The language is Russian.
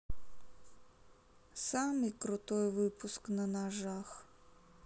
самый крутой выпуск на ножах